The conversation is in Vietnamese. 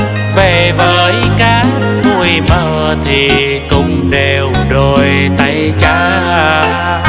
về với cát bụi mờ thì cũng đều đôi tay trắng